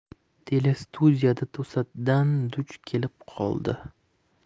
telestudiyada to'satdan duch kelib qoldi